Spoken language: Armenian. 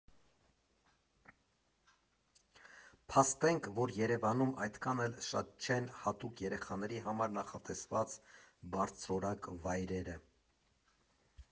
Փաստենք, որ Երևանում այդքան էլ շատ չեն հատուկ երեխաների համար նախատեսված բարձրորակ վայրերը։